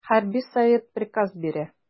Хәрби совет приказ бирә.